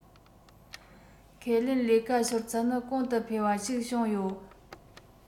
ཁས ལེན ལས ཀ ཤོར ཚད ནི གོང དུ འཕེལ བ ཞིག བྱུང ཡོད